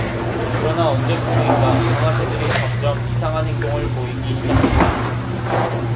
그러나 언제부터인가 강아지들이 점점 이상한 행동을 보이기 시작했다